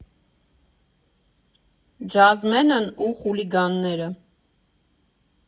Ջազմենն ու խուլիգանները։